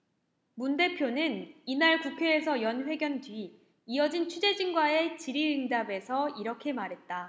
문 대표는 이날 국회에서 연 회견 뒤 이어진 취재진과의 질의응답에서 이렇게 말했다